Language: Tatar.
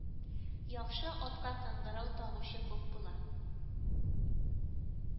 Яхшы атка кыңгырау тагучы күп була